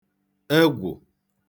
egwụ̀